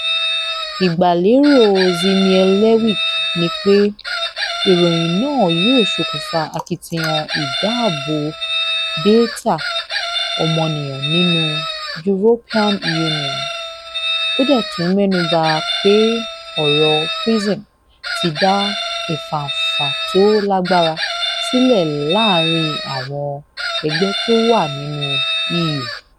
Ìgbàlérò Szymielewicz ni pé ìroyìn náà yóò ṣokùnfa akitiyan ìdáàbò data ọmọniyàn nínu European Union, ó dẹ̀ tún mẹ́nubà pé ọ̀rọ̀ “PRISM” ti da “ìfánfà tó lágbára” silẹ̀ láààrìn àwọn ẹgbẹ́ tó wà nínú EU.